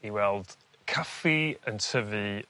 I weld caffi yn tyfu